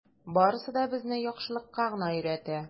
Барысы да безне яхшылыкка гына өйрәтә.